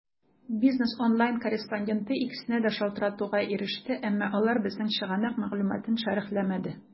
"бизнес online" корреспонденты икесенә дә шалтыратуга иреште, әмма алар безнең чыганак мәгълүматын шәрехләмәде.